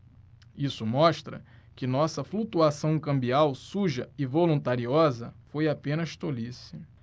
isso mostra que nossa flutuação cambial suja e voluntariosa foi apenas tolice